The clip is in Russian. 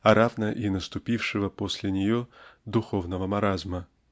а равно и наступившего после нее духовного маразма.